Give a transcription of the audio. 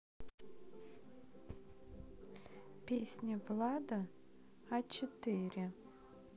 песня влада а четыре